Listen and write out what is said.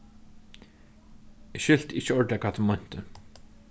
eg skilti ikki ordiliga hvat hon meinti